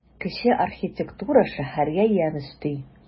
Кече архитектура шәһәргә ямь өсти.